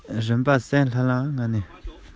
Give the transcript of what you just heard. ཆེ ཆུང མང པོ རྒྱུ བཞིན འདུག